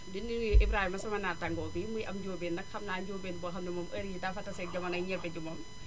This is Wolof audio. di nuyu Ibrahima sama nattangoo bii muy ab njóobeen nag xam naa njóobeen boo xam ne moom heure yii dafa tase ak jamonoy ñebe ji moom